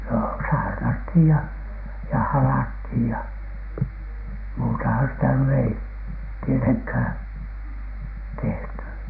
no saarnattiin ja ja halattiin ja muutahan sitä nyt ei tietenkään tehty